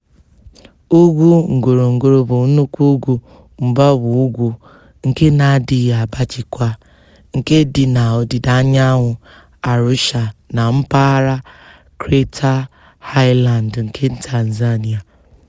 Ugwu Ngorongoro bụ nnukwu ugwu mgbawa ugwu, nke na-adịghị agbajikwa, nke dị na ọdịda anyanwụ Arusha na mpaghara Crater Highland nke Tanzania.